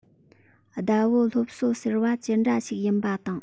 ཟླ བོ སློབ གསོ ཟེར བ ཇི འདྲ ཞིག ཡིན པ དང